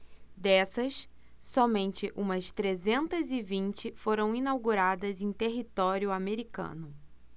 dessas somente umas trezentas e vinte foram inauguradas em território americano